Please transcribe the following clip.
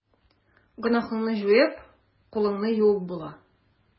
Гөнаһыңны җуеп, кулыңны юып була.